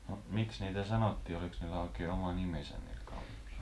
no miksi niitä sanottiin olikos niillä oikein oma nimensä niillä kauppiailla